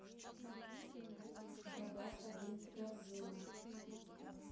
добавь один в корзину